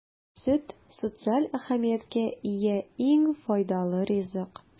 Сөт - социаль әһәмияткә ия иң файдалы ризык.